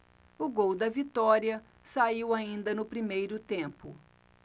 o gol da vitória saiu ainda no primeiro tempo